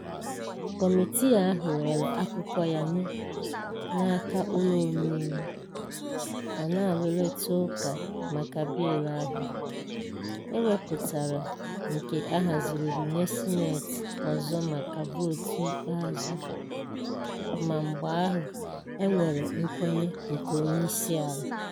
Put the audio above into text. Kọmitii ahụ were akụkọ ya nye n'aka Ụlọ Omeiwu, a na-arụrịta ụka maka bịịlụ ahụ, e wepụtara nke a hazigharịrị nye Sineetị ọzọ maka vootu ikpeazụ ma mgbe ahụ, e nwere nkwenye nke onyeisiala.